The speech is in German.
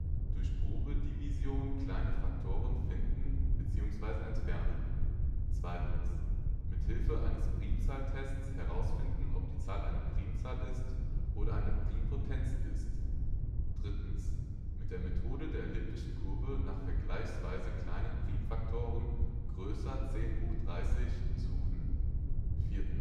Durch Probedivision kleine Faktoren finden/entfernen. Mit Hilfe eines Primzahltests herausfinden, ob die Zahl eine Primzahl oder eine Primpotenz ist. Mit der Methode der Elliptischen Kurven nach vergleichsweise kleinen Primfaktoren (< 1030) suchen. Mit